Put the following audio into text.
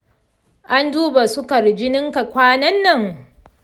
an duba sukar jinin ka kwanan nan?